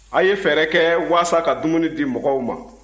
a'ye fɛɛrɛ kɛ walasa ka dumuni di mɔgɔw ma